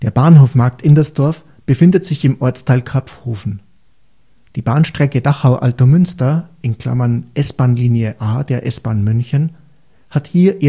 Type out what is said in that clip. Bahnhof Markt Indersdorf befindet sich im Ortsteil Karpfhofen. Die Bahnstrecke Dachau – Altomünster (S-Bahnlinie A, der S-Bahn München) hat hier